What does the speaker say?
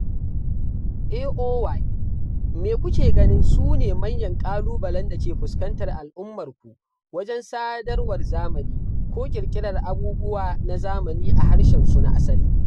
(AOY): Me kuke ganin sune manyan ƙalubalen da ke fuskantar al'ummarku wajen sadarwar zamani ko ƙirƙirar abubuwa na zamani a harshensu na asali?